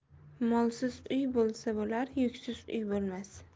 molsiz uy bo'lsa bo'lar yuksiz uy bo'lmas